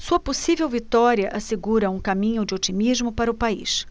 sua possível vitória assegura um caminho de otimismo para o país